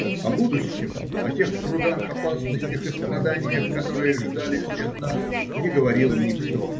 о будущем, о тех трудах, опасностях и страданиях, которые ждали всех нас, не говорил никто.